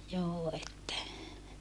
joo että